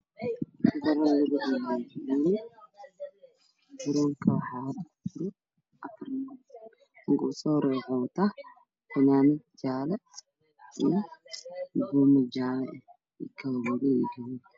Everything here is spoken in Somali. Meeshaan ha ku yaallo garoon garoonka tiisa wuxuu taagan saddex nin kan war ah wataa funaanad jaalo ah iyo soo tacdaan ah tan kalena muxuu wataafeed madow ah iyo shaatin buluga